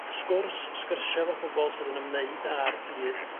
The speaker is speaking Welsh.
sgwrs sgyrsia efo pobol sydd yn ymwneud â'r byd